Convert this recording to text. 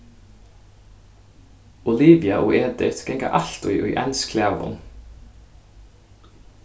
olivia og edit ganga altíð í eins klæðum